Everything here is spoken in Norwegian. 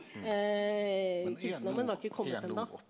kristendommen var ikke kommet enda.